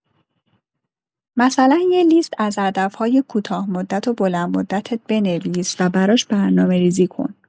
مثلا یه لیست از هدف‌های کوتاه‌مدت و بلندمدتت بنویس و براش برنامه‌ریزی کن.